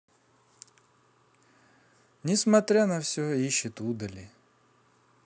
несмотря на все ищет удали